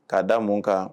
K'a da mun kan